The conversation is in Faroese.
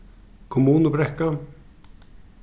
kommunubrekka